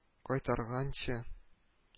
Кайтарганчы